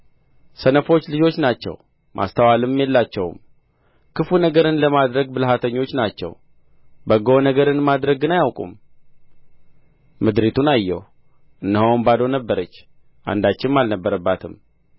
ሰነፎች ልጆች ናቸው ማስተዋልም የላቸውም ክፉ ነገርን ለማድረግ ብልሃተኞች ናቸው በጎ ነገርን ማድረግ ግን አያውቁም ምድሪቱን አየሁ እነሆም ባዶ ነበረች አንዳችም አልነበረባትም